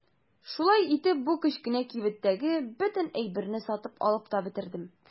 Шулай итеп бу кечкенә кибеттәге бөтен әйберне сатып алып та бетердем.